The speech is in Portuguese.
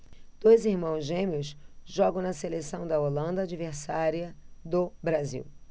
dois irmãos gêmeos jogam na seleção da holanda adversária do brasil